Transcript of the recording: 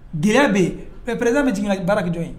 Gɛlɛya bɛ yen p ppre bɛ jigin baara kɛ jɔn ye